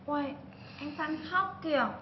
uầy anh phan khóc kìa